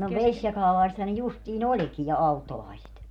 no vesijakaalaisethan ne justiin olikin ja auttolaiset